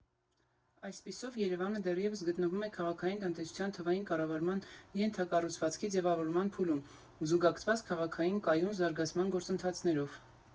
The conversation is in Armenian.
Այսպիսով Երևանը դեռևս գտնվում է քաղաքային տնտեսության թվային կառավարման ենթակառուցվածքի ձևավորման փուլում՝ զուգակցված քաղաքային կայուն զարգացման գործընթացներով։